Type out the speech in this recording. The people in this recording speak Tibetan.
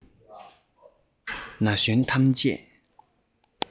ན གཞོན ཐམས ཅན